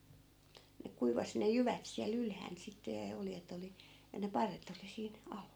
ne kuivasi ne jyvät siellä ylhäällä sitten ja oljet oli ja ne parret oli siinä alla